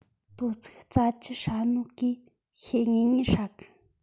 དོ ཚིགས རྩྭ ཆུ ཧྲ ནོ གིས ཤེད ངེས ངེས ཧྲ གི